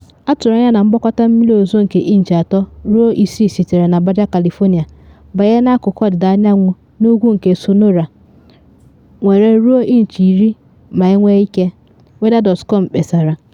“Atụrụ anya mgbakọta mmiri ozizo nke inchi 3 ruo 6 sitere na Baja California banye n’akụkụ ọdịda anyanwụ na ugwu nke Sonora, nwere ruo inchi 10 ma enwee ike,” weather.com kpesara.